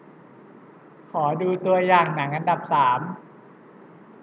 ขอดูตัวอย่างหนังอันดับสาม